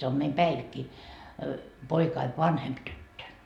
se on meidän Päivikki poikani vanhempi tyttö